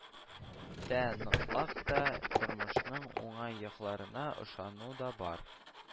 Тә, ныклык та, тормышның уңай якларына ышану да бар